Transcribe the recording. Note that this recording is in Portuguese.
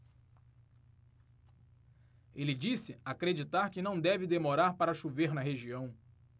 ele disse acreditar que não deve demorar para chover na região